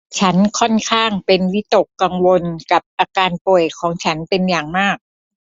ฉันค่อนข้างเป็นวิตกกังวลกับอาการป่วยของฉันเป็นอย่างมาก